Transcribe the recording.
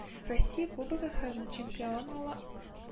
Россия Кубогы һәм Чемпионала